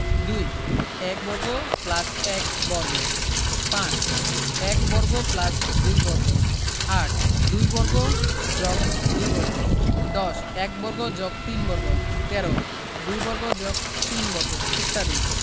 ২ ১ বর্গ + ১ বর্গ ৫ ১ বর্গ + ২ বর্গ ৮ ২ বর্গ + ২ বর্গ ১০ ১ বর্গ + ৩ বর্গ ১৩ ২ বর্গ + ৩ বর্গ ইত্যাদি